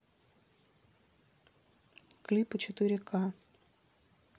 клипы четыре ка